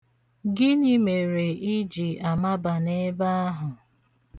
Gịnị mere i ji amaba n'ebe ahụ?